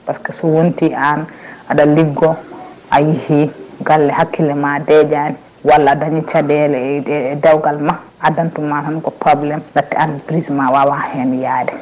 par ce que so wonti an aɗa liggo a yeehi galle hakkille ma deƴani walla a dañi caɗele e e dewgal ma adantuma tan ko probléme dakhte entreprise ma wawa hen yaade